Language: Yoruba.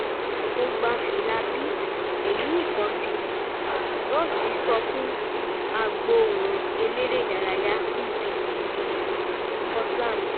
Mo gba fílà B èyí nìkan sìni, ‘’Ross sọ fún Sportsound BBC ti Ìlu Scotland.